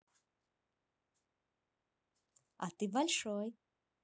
а ты большой